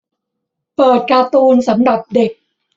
เปิดการ์ตูนสำหรับเด็ก